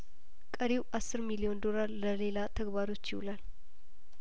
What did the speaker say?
ቀሪው አስር ሚሊዮን ዶላር ለሌላ ተግባሮች ይውላል